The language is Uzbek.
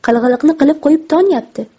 qilg'iliqni qilib qo'yib tonyapti